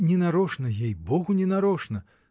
— Не нарочно, ей-богу, не нарочно!